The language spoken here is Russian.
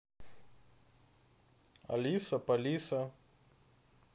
алиса полиса